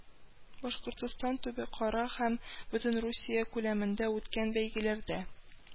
Башкортстан, төбәкара һәм Бөтенрусия күләмендә үткән бәйгеләрдә